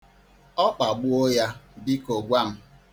Ọ kpagbuo ya, biko gwa m.